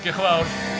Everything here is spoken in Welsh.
Diolch yn fawr!